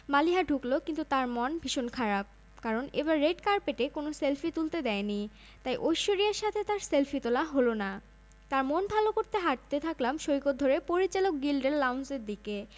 বাংলাদেশের সব ছবির প্রসঙ্গ উঠলো ধানুশ জানালো এখন সে আন্তর্জাতিক ছবিকে গুরুত্ব দিচ্ছে সুতরাং বাংলাতে ভালো ছবি হলেও সে কাজ করবে